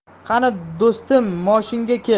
qani do'stim moshinga kel